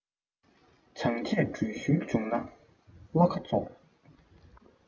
བྱས རྗེས དྲུད ཤུལ བྱུང ན བློ ཁ རྫོགས